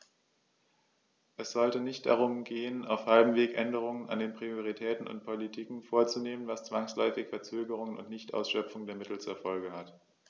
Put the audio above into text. Es sollte nicht darum gehen, auf halbem Wege Änderungen an den Prioritäten und Politiken vorzunehmen, was zwangsläufig Verzögerungen und Nichtausschöpfung der Mittel zur Folge hat.